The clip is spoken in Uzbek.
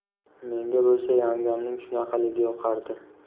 menga bo'lsa yangamning shunaqaligi yoqardi